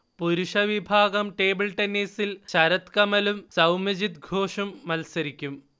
പുരുഷവിഭാഗം ടേബിൾ ടെന്നീസിൽ ശരത് കമലും സൗമ്യജിത് ഘോഷും മൽസരിക്കും